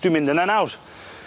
Dwi'n mynd yna nawr.